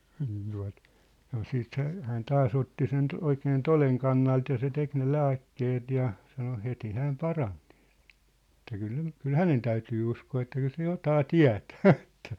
niin tuota sanoi sitten - hän taas otti sen oikein toden kannalta ja se teki ne lääkkeet ja sanoi heti hän parani niillä että kyllä - kyllä hänen täytyy uskoa että kyllä se jotakin tietää että